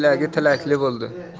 elagi tilakli bo'ldi